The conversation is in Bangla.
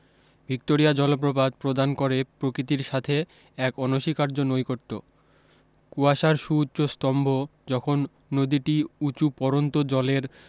ভিক্টোরিয়া জলপ্রপাত প্রদান করে প্রকৃতির সাথে এক অনস্বীকার্য নৈকট্য কুয়াশার সুউচ্চ স্তম্ভ যখন নদীটি উঁচু পড়ন্ত জলের